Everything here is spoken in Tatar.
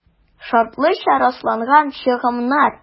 «шартлыча расланган чыгымнар»